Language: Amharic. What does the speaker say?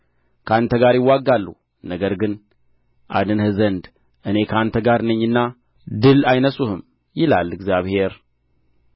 ከአንተ ጋር ይዋጋሉ ነገር ግን አድንህ ዘንድ እኔ ከአንተ ጋር ነኝና ድል አይነሡህም ይላል እግዚአብሔር